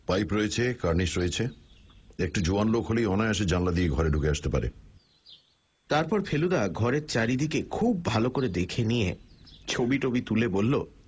pipe রয়েছে cornice রয়েছে একটু জোয়ান লোক হলেই অনায়াসে জানলা দিয়ে ঘরে ঢুকে আসতে পারে তারপর ফেলুদা ঘরের চারিদিকে খুব ভাল করে দেখে নিয়ে ছবি টবি তুলে বলল